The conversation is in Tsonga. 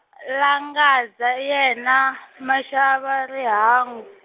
-langaza yena , maxava rihang-.